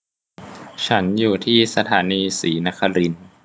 ฉันอยู่ที่สถานีศรีนครินทร์